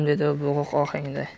dedi u bo'g'iq ohangda